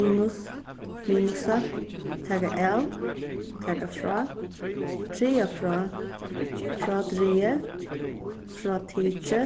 minus minusa taka av taka frá draga frá frádrigið frátikið